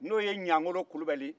n'o ye ɲangolo kulubali ye